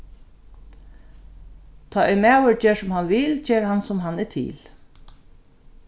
tá ið maður ger sum hann vil ger hann sum hann er til